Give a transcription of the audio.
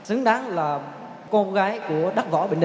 xứng đáng là con gái của đất võ bình